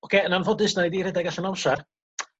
oce yn anffodus 'nai 'di rhedeg allan o amsar.